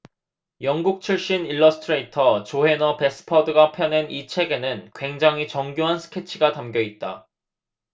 영국 출신 일러스트레이터 조해너 배스퍼드가 펴낸 이 책에는 굉장히 정교한 스케치가 담겨 있다